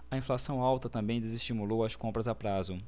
a inflação alta também desestimulou as compras a prazo